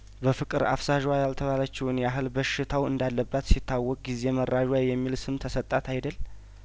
በፍቅር አፍዛዧ ያልተባለችውን ያህል በሽታው እንዳለባት ሲታውቅ ጊዜ መራዧ የሚል ስም ተሰጣት አይደል